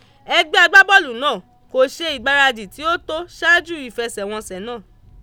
Ẹgbẹ́ àgbábọ́ọ̀lù náà kò ṣe ìgbáradì tí ó tó ṣáájú ìfẹsẹ̀wọnsẹ náà.